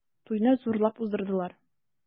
Туйны зурлап уздырдылар.